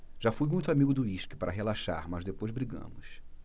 já fui muito amigo do uísque para relaxar mas depois brigamos